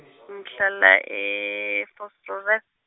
ngihlala e-Vosloorus.